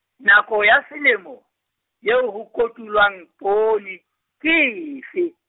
nako ya selemo, eo ho kotulwang poone, ke efe?